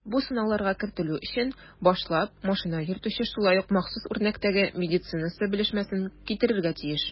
Бу сынауларга кертелү өчен башлап машина йөртүче шулай ук махсус үрнәктәге медицинасы белешмәсен китерергә тиеш.